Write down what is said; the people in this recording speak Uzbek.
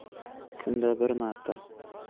kunda bir marta